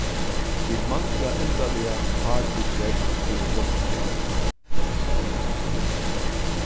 vit mangla endaliga faklig prógv fyri brotsgerðini